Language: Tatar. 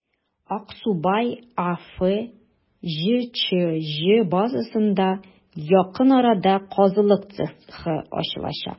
«аксубай» аф» җчҗ базасында якын арада казылык цехы ачылачак.